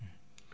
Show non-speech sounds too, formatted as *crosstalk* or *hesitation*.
*hesitation* *hesitation*